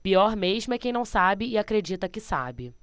pior mesmo é quem não sabe e acredita que sabe